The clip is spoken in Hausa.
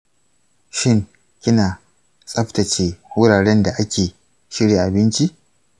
shin kina tsaftace wuraren da ake shirya abinci?